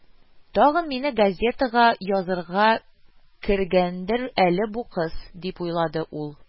«тагын мине газетага язарга кергәндер әле бу кыз, дип уйлады ул